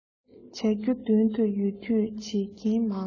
བྱ རྒྱུ མདུན དུ ཡོད དུས བྱེད མཁན མང